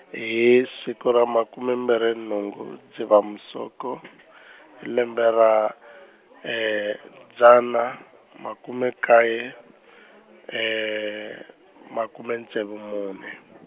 hi, siku ra makume mbirhi nhungu Dzivamusoko , hi lembe ra, dzana makume kaye makume ntsevu mune.